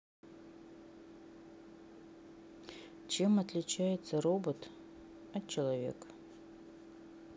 чем отличается робот от человека